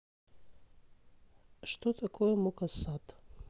что такое мукасат